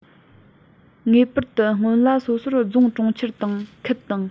ངེས པར དུ སྔོན ལ སོ སོར རྫོང གྲོང ཁྱེར དང ཁུལ དང